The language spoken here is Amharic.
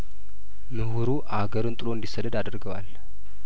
ምሁሩ አገሩን ጥሎ እንዲሰደድ አድርገዋል